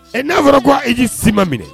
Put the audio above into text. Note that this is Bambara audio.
Ɛ n'a fɔra k' ayiji si ma minɛ